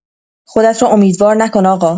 خودت را امیدوار نکن آقا.